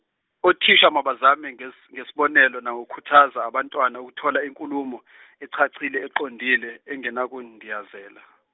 othisha mabazame ngesi- ngesibonelo nangokukhuthaza abantwana ukuthola inkulumo echachile eqondile engenakundiyazela.